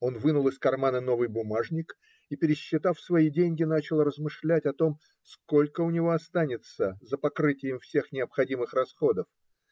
Он вынул из кармана новый бумажник и, пересчитав свои деньги, начал размышлять о том, сколько у него останется за покрытием всех необходимых расходов.